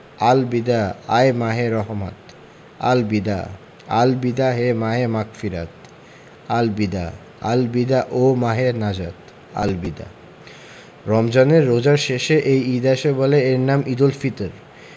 আল বিদা আয় মাহে রহমাত আল বিদা আল বিদা হে মাহে মাগফিরাত আল বিদা আল বিদা ওহঃ মাহে নাজাত আল বিদা রমজানের রোজার শেষে এই ঈদ আসে বলে এর নাম ঈদুল ফিতর